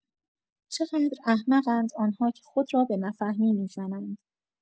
چقدر احمقند آنها که خود را به نفهمی می‌زنند.